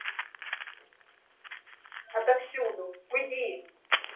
отовсюду уйди